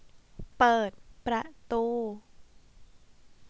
เปิดประตู